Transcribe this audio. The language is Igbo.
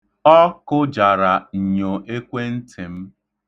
Ọ kụjara nnyo ekwentị m.